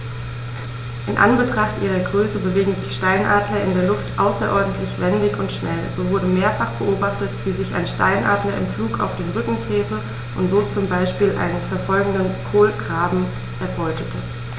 In Anbetracht ihrer Größe bewegen sich Steinadler in der Luft außerordentlich wendig und schnell, so wurde mehrfach beobachtet, wie sich ein Steinadler im Flug auf den Rücken drehte und so zum Beispiel einen verfolgenden Kolkraben erbeutete.